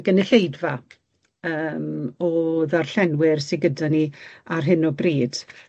y gynulleidfa yym o ddarllenwyr sy gyda ni ar hyn o bryd.